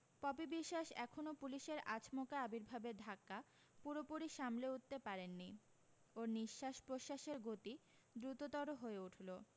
poppy বিশ্বাস এখনও পুলিশের আচমকা আবির্ভাবের ধাক্কা পুরোপুরি সামলে উঠতে পারেননি ওর নিশ্বাস প্রশ্বাসের গতি দ্রুততর হয়ে উঠলো